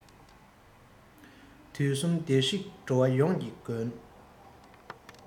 དུས གསུམ བདེར གཤེགས འགྲོ བ ཡོངས ཀྱི མགོན